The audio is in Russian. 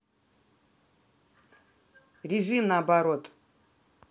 режим наоборот